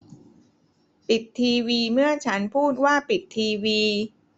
ปิดทีวีเมื่อฉันพูดว่าปิดทีวี